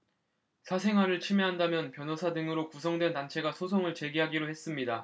사생활을 침해한다며 변호사 등으로 구성된 단체가 소송을 제기하기로 했습니다